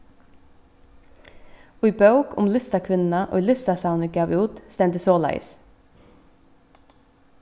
í bók um listakvinnuna ið listasavnið gav út stendur soleiðis